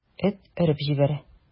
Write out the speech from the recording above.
Эт өреп җибәрә.